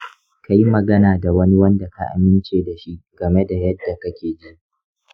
ka yi magana da wani wanda ka amince da shi game da yadda kake ji.